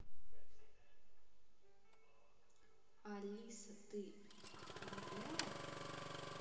алиса ты охуела